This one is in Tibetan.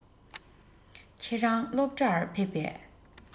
ཁྱེད རང སློབ གྲྭར ཕེབས པས